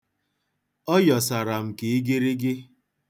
Ọ yọsara m ka igirigi.